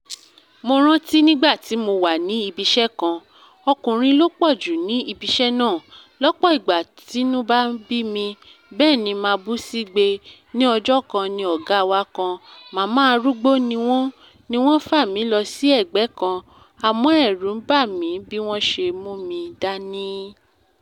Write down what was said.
Mo rántí nígbà tí mo wà ní ibiṣẹ́ kan, ọkụ̀nrin ló pọ̀ jù ní ibiṣẹ́ náà. Lọ́pọ̀ ìgbà tínú bá bí mi, bẹ́è ni máa bú sígbe. Ní ọjọ́ kan ní ọgá wa kan, màmá arúgbó ni wọ́n, ni wọ́n fa mí lọ sí ẹ̀gbẹ́ kan, àmọ́ ẹ̀rù ń bà mí bí wọ́n ṣe mú mi dání.